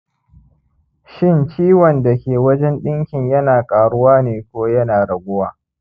shin ciwon da ke wajen dinkin yana ƙaruwa ne ko yana raguwa?